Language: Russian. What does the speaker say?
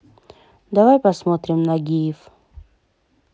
давай посмотрим нагиев